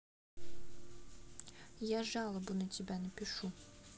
я жалобу на тебя напишу